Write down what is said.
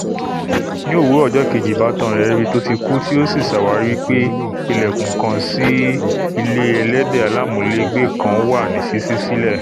Ní òwurọ̀ ọjọ́ kejì, ìbátan rẹ̀ ríi tóti kú, tí ó sì ṣàwári wí pé ìlẹ̀kùn kan sí ilé ẹlẹ́dẹ̀ aláàmúlégbe kan wà ní sísí sílẹ̀.